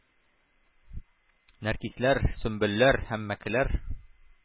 Нәркисләр, сөмбелләр һәм мәкләр